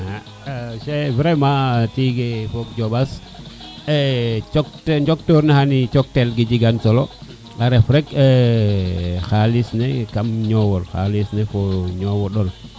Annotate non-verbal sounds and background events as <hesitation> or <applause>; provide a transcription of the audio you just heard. xe Cheikh vraiment tige fog Jobas e njok ke njoktoor ni xani jaktel ne jegan solo a ref rek <hesitation> kam xalis ne kam ñowal xalis ne fo o ñowondole